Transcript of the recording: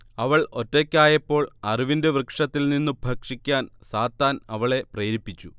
അവൾ ഒറ്റയ്ക്കായപ്പോൾ അറിവിന്റെ വൃക്ഷത്തിൽ നിന്നു ഭക്ഷിക്കാൻ സാത്താൻ അവളെ പ്രേരിപ്പിച്ചു